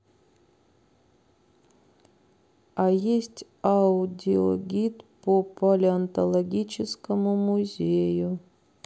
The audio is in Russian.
а есть аудиогид по палеонтологическому музею